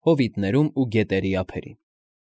Հովիտներում ու գետերի ափերին։